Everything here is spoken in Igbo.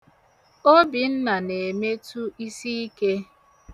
Obinna na-emetụ isiike.